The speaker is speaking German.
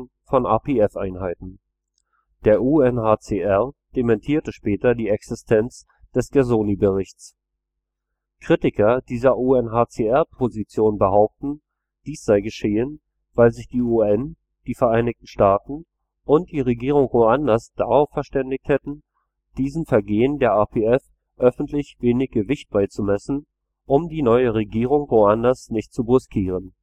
von RPF-Einheiten. Der UNHCR dementierte später die Existenz des Gersony-Berichts. Kritiker dieser UNHCR-Position behaupten, dies sei geschehen, weil sich die UN, die Vereinigten Staaten und die Regierung Ruandas darauf verständigt hätten, diesen Vergehen der RPF öffentlich wenig Gewicht beizumessen, um die neue Regierung Ruandas nicht zu brüskieren